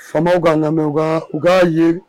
Faamaw ka lamɛn u k'a ye